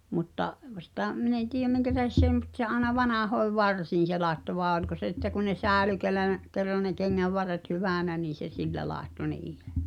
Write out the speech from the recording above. mutta - sitä minä en tiedä minkä tähden se ei mutta se aina vanhoihin varsiin se laittoi vain oliko se että kun ne säilyi kenellä ne kerran ne kengänvarret hyvänä niin se sillä laittoi niihin